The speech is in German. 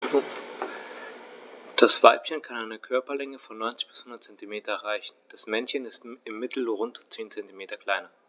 Das Weibchen kann eine Körperlänge von 90-100 cm erreichen; das Männchen ist im Mittel rund 10 cm kleiner.